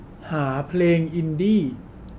หาเพลงอินดี้